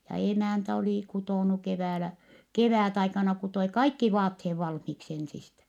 ja emäntä oli kutonut keväällä kevätaikana kutoi kaikki vaatteet valmiiksi ensistä